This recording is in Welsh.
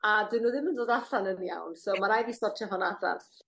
a 'dyn n'w ddim yn dod allan yn iawn so ma' rai' fi sortio honna allan.